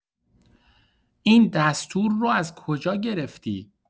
این دستور رو از کجا گرفتی؟